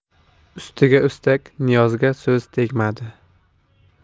ustiga ustak niyozga so'z tegmadi